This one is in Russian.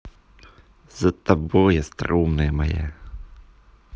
за тобой остроумная моя